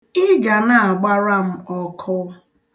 Ị ga na-agbara m ọkụ.